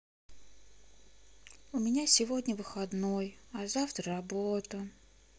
у меня сегодня выходной а завтра работа